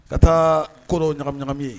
Ka taa ko ɲagaminami ye